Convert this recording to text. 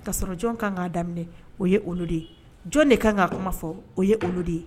Ka sɔrɔ jɔn kaan k'a daminɛ o ye olu de ye jɔn de kaan k'a kuma fɔ o ye olu de ye